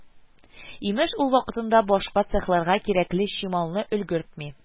Имеш, ул вакытында башка цехларга кирәкле чималны өлгертми